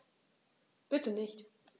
Bitte nicht.